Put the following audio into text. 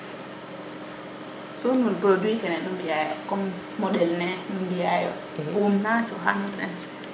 so nuun produit ken nu mbiya yo comme moɗel ne nu mbiya yo oxum na coxana nuun